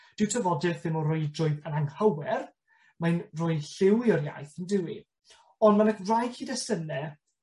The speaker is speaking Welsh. Dyw tafodiaith ddim o reidrwydd yn anghywir, mae'n roi lliw i'r iaith on'd yw 'i. On' ma' 'na rai cyd-destune